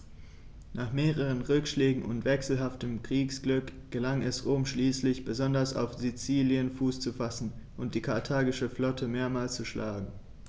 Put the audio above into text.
Nach mehreren Rückschlägen und wechselhaftem Kriegsglück gelang es Rom schließlich, besonders auf Sizilien Fuß zu fassen und die karthagische Flotte mehrmals zu schlagen.